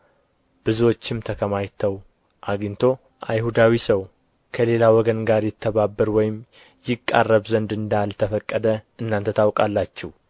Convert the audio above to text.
ብዙዎችም ተከማችተው አግኝቶ አይሁዳዊ ሰው ከሌላ ወገን ጋር ይተባበር ወይም ይቃረብ ዘንድ እንዳልተፈቀደ እናንተ ታውቃላችሁ